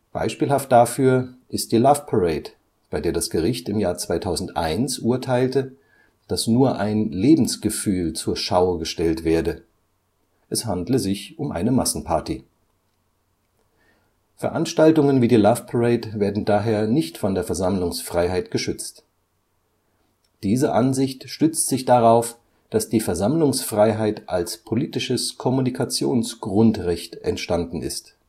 Beispielhaft dafür ist die Loveparade, bei der das Gericht im Jahr 2001 urteilte, dass nur ein Lebensgefühl zur Schau gestellt werde. Es handle sich um eine Massenparty. Veranstaltungen wie die Loveparade werden daher nicht von der Versammlungsfreiheit geschützt. Diese Ansicht stützt sich darauf, dass die Versammlungsfreiheit als politisches Kommunikationsgrundrecht entstanden ist